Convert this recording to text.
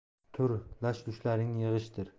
tur lash lushlaringni yig'ishtir